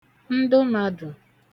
ndə m̄adụ̀